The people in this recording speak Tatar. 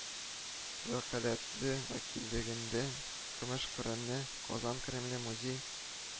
Вәкаләтле вәкиллегендә көмеш коръәнне “казан кремле” музей